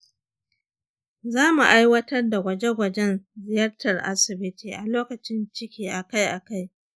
za mu aiwatar da gwaje-gwajen ziyartar asibiti a lokacin ciki akai-akai